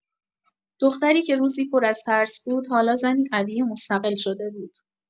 دختری که روزی پر از ترس بود، حالا زنی قوی و مستقل شده بود.